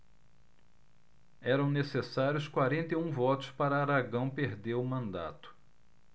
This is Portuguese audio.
eram necessários quarenta e um votos para aragão perder o mandato